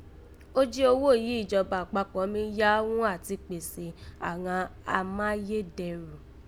Ó jí oghó yìí ìjọba àkpakpọ̀ mí yá gha ghún àti kpèsè àghan amáyédẹrùn